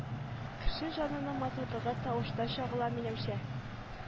Кеше җанының матурлыгы тавышта чагыла минемчә